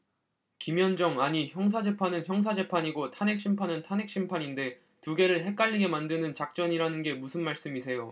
김현정 아니 형사재판은 형사재판이고 탄핵심판은 탄핵심판인데 두 개를 헷갈리게 만드는 작전이라는 게 무슨 말씀이세요